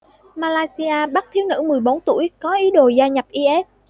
malaysia bắt thiếu nữ mười bốn tuổi có ý đồ gia nhập i s